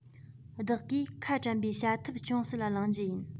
བདག གིས ཁ གྲམ པའི བྱ ཐབས ཅུང ཟད གླེང རྒྱུ ཡིན